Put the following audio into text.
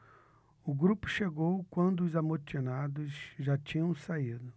o grupo chegou quando os amotinados já tinham saído